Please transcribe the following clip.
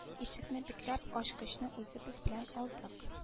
Ишекне бикләп ачкычны үзебез белән алдык